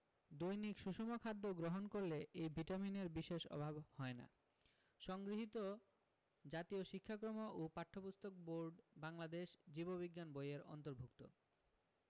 দৈনিক সুষম খাদ্য গ্রহণ করলে এই ভিটামিনের বিশেষ অভাব হয় না সংগৃহীত জাতীয় শিক্ষাক্রম ও পাঠ্যপুস্তক বোর্ড বাংলাদেশ জীব বিজ্ঞান বই এর অন্তর্ভুক্ত